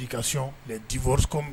Education des